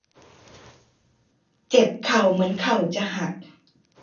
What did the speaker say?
เจ็บเข่าเหมือนเข่าจะหัก